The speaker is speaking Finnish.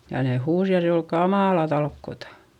ja ne huusi ja se oli kamalaa talkoota